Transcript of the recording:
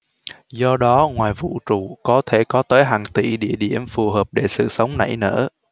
do đó ngoài vũ trụ có thể có tới hàng tỉ địa điểm phù hợp để sự sống nảy nở